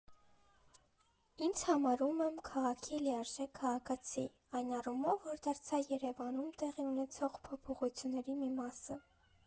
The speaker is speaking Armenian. Ինձ համարում եմ քաղաքի լիարժեք քաղաքացի, այն առումով, որ դարձա Երևանում տեղի ունեցող փոփոխությունների մի մասը։